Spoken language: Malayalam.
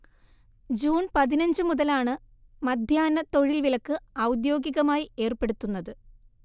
ജൂൺ പതിനഞ്ചു മുതലാണ് മധ്യാഹ്ന തൊഴിൽ വിലക്ക് ഔദ്യോഗികമായി ഏർപ്പെടുത്തുന്നത്